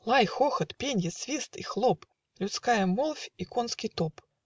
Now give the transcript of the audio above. Лай, хохот, пенье, свист и хлоп, Людская молвь и конской топ!